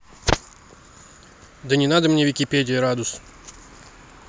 да не надо мне википедия радус